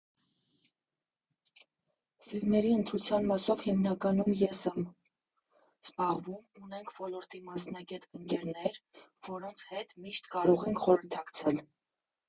«Ֆիլմերի ընտրության մասով հիմնականում ես եմ զբաղվում, ունենք ոլորտի մասնագետ ընկերներ, որոնց հետ միշտ կարող ենք խորհրդակցել»։